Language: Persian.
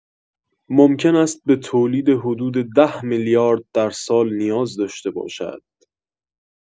ممکن است به تولید حدود ۱۰ میلیارد در سال نیاز داشته باشد.